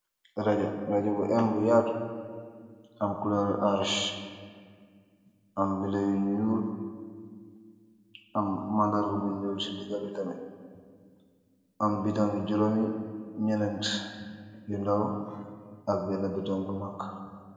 Rajo bu èm yatu am kuloru ass, am binda yu ñuul , am mandarga bu ñuul ci degga bi tamid am button jorom ñent yu ndaw ak benna bu mag.